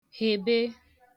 hèbe